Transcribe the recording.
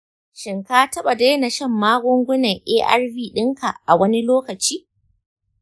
shin ka taɓa daina shan magungunan arv ɗinka a wani lokaci?